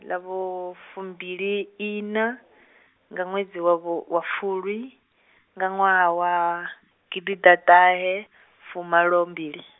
lalwo fumbiliiṋa nga ṅwedzi vhu, wa fulwi nga ṅwaha wa, gidiḓaṱahefumalombili.